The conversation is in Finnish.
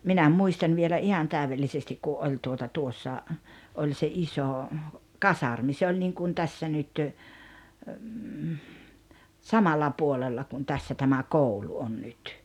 minä muistan vielä ihan täydellisesti kun oli tuota tuossa oli se iso kasarmi se oli niin kuin tässä nyt samalla puolella kuin tässä tämä koulu on nyt